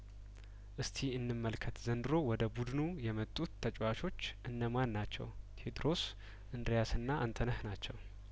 እስቲ እንመልከት ዘንድሮ ወደ ቡድኑ የመጡት ተጫዋቾች እነማንናቸው ቴድሮስ እንድሪያስና አንተነህ ናቸው